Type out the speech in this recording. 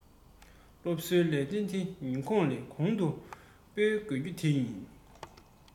སློབ གསོའི ལས དོན འདི ཉིད གོང ནས གོང དུ སྤེལ དགོས རྒྱུ དེ ཡིན